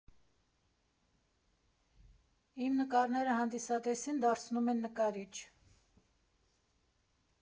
Իմ նկարները հանդիսատեսին դարձնում են նկարիչ։